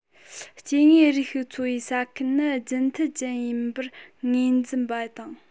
སྐྱེ དངོས རིགས ཤིག འཚོ བའི ས ཁུལ ནི རྒྱུན མཐུད ཅན ཡིན པར ངོས འཛིན པ དང